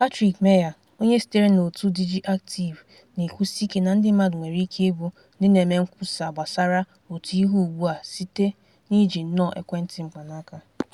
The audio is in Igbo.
Patrick Meier, onye sitere na otu DigiActive, na-ekwusike na ndị mmadụ nwere ike ịbụ ndị na-eme nkwusa gbasara otu ihe ugbu a site na iji nnọọ ekwentị mkpanaaka.